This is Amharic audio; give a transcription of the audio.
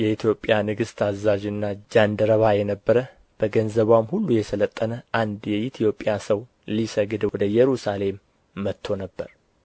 የኢትዮጵያ ንግሥት አዛዥና ጃንደረባ የነበረ በገንዘብዋም ሁሉ የሠለጠነ አንድ የኢትዮጵያ ሰው ሊሰግድ ወደ ኢየሩሳሌም መጥቶ ነበር